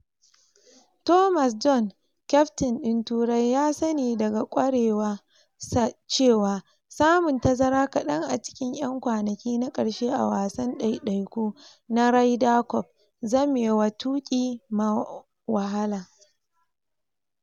Thomas Bjorn, kyaftin din Turai, ya sani daga kwarewa sa cewa samun tazara kadan a cikin 'yan kwanaki na karshe a wasan daidaiku na Ryder Cup zamewa tuki ma wahala.